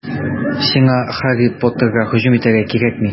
Сиңа Һарри Поттерга һөҗүм итәргә кирәкми.